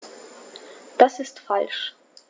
Das ist falsch.